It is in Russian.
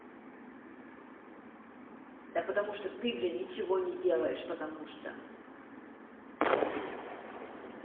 да потому что ты блин ничего не делаешь потому что